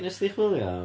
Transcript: Wnest ti chwilio am...